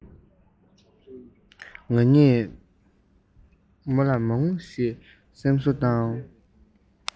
ང གཉིས ཁ རྩོད མི བྱེད ཅེས སེམས གསོ